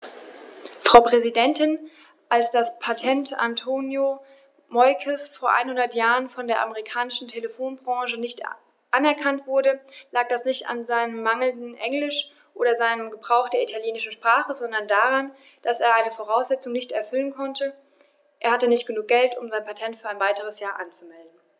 Frau Präsidentin, als das Patent Antonio Meuccis vor einhundert Jahren von der amerikanischen Telefonbranche nicht anerkannt wurde, lag das nicht an seinem mangelnden Englisch oder seinem Gebrauch der italienischen Sprache, sondern daran, dass er eine Voraussetzung nicht erfüllen konnte: Er hatte nicht genug Geld, um sein Patent für ein weiteres Jahr anzumelden.